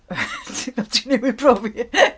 Ti ti newydd brofi .